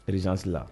Hzsilila